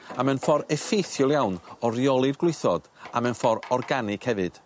A mae o'n ffor effeithiol iawn o reoli'r gwlithod a ma o'n ffor' organig hefyd.